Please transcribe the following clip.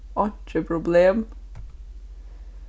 einki problem